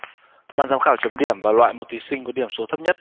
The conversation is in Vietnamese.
ban giám khảo chấm điểm và loại một thí sinh có điểm số thấp nhất